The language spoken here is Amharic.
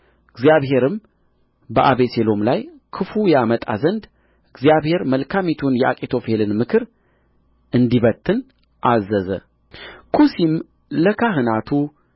እግዚአብሔርም በአቤሴሎም ላይ ክፉ ያመጣ ዘንድ እግዚአብሔር መልካሚቱን የአኪጦፌልን ምክር እንዲበትን አዘዘ ኩሲም ለካህናቱ